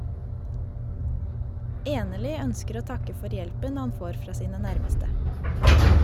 Enerly ønsker å takke for hjelpen han får fra sine nærmeste.